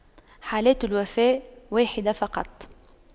حالات الوفاة واحدة فقط